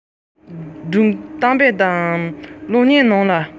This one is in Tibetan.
སྒྲུང གཏམ དང གློག བརྙན ནང གི